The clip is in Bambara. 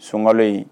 Sunkalo in